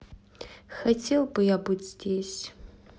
хотел бы я быть здесь